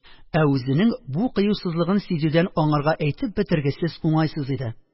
Ә үзенең бу кыюсызлыгын сизүдән аңарга әйтеп бетергесез уңайсыз иде.